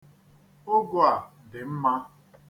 Ụgụ a dị mma.